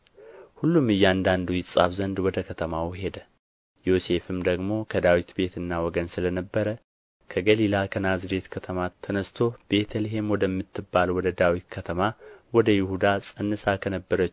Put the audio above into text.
ሁሉም እያንዳንዱ ይጻፍ ዘንድ ወደ ከተማው ሄደ ዮሴፍም ደግሞ ከዳዊት ቤትና ወገን ስለ ነበረ ከገሊላ ከናዝሬት ከተማ ተነሥቶ ቤተ ልሔም ወደምትባል ወደ ዳዊት ከተማ ወደ ይሁዳ ፀንሳ ከነበረች